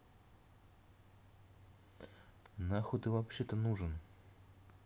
нахуй ты вообще то нужен